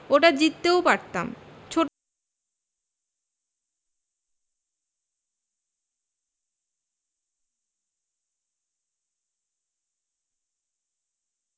ওটা জিততেও পারতাম ছোট ছোট ভুল ছিল ভালো ফলও ছিল চ্যাম্পিয়নস ট্রফিতে নিউজিল্যান্ডকে হারিয়েছি আয়ারল্যান্ডে ত্রিদেশীয় সিরিজেও নিউজিল্যান্ডকে হারিয়েছি